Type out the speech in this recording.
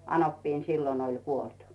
anoppini silloin oli kuollut